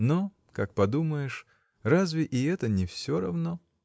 но, как подумаешь -- разве и это не все равно?